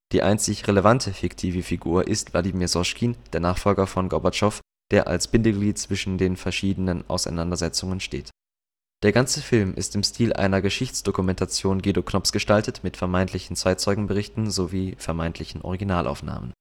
Die einzige " relevante " fiktive Figur ist Vladimir Soschkin, der Nachfolger von Gorbatschow, der als Bindeglied zwischen den verschiedenen Auseinandersetzungen steht. Der ganze Film ist im Stil einer Geschichts-Dokumentation Guido Knopps gestaltet mit vermeintlichen Zeitzeugenberichten sowie vermeintlichen Originalaufnahmen